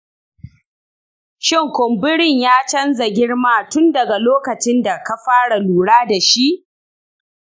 shin kumburin ya canza girma tun daga lokacin da ka fara lura da shi?